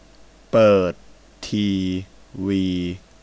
เปิดทีวี